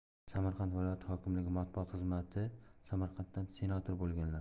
samarqand viloyati hokimligi matbuot xizmatisamarqanddan senator bo'lganlar